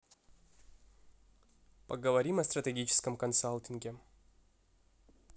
поговорим о стратегическом консалтинге